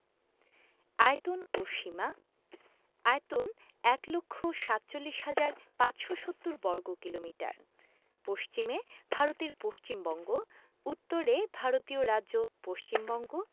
আয়তন ও সীমাঃ আয়তন ১লক্ষ ৪৭হাজার ৫৭০বর্গকিলোমিটার পশ্চিমে ভারতের পশ্চিমবঙ্গ উত্তরে ভারতীয় রাজ্য পশ্চিমবঙ্গ